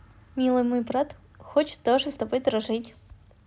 милый мой брат хочет тоже с тобой дружить